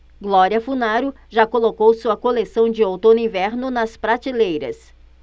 glória funaro já colocou sua coleção de outono-inverno nas prateleiras